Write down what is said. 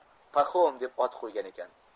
paxom deb ot qo'ygan ekan